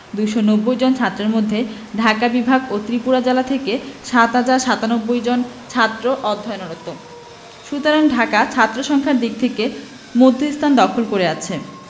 ২৯০ জন ছাত্রের মধ্যে ঢাকা বিভাগ ও ত্রিপুরা জেলা থেকে ৭ হাজার ৯৭ জন ছাত্র অধ্যয়নরত সুতরাং ঢাকা ছাত্রসংখ্যার দিক থেকে মধ্যস্থান দখল করে আছে